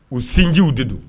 U sinjiw de do.